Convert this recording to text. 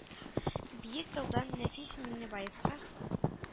Биектаудан Нәфис Миңнебаевка